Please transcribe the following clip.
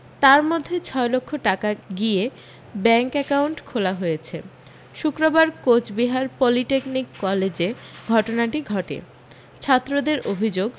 তার মধ্যে ছয় লক্ষ টাকা গিয়ে ব্যাঙ্ক অ্যাকাউন্ট খোলা হয়েছে শুক্রবার কোচবিহার পলিটেকনিক কলেজে ঘটনাটি ঘটে ছাত্রদের অভি্যোগ